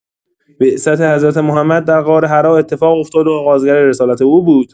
بعثت حضرت محمد در غار حرا اتفاق افتاد و آغازگر رسالت او بود.